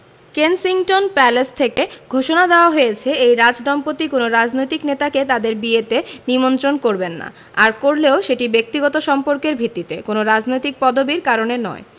Kensington Palace থেকে ঘোষণা দেওয়া হয়েছে এই রাজদম্পতি কোনো রাজনৈতিক নেতাকে তাঁদের বিয়েতে নিমন্ত্রণ করবেন না আর করলেও সেটি ব্যক্তিগত সম্পর্কের ভিত্তিতে কোনো রাজনৈতিক পদবির কারণে নয়